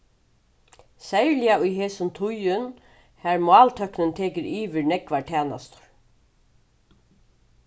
serliga í hesum tíðin har máltøknin tekur yvir nógvar tænastur